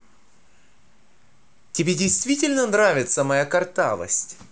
тебе действительно нравится моя картавость